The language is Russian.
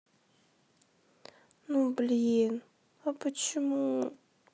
ну блин а почему